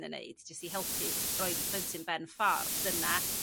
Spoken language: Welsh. yn neud jyst i helpu roid y plentyn ben ffor' dyna